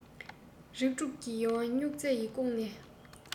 རིགས དྲུག གི ཡིད དབང སྨྱུག རྩེ ཡིས བཀུག ནས